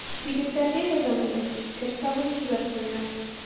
Егетләргә язам әле: кер сабыны җибәрсеннәр.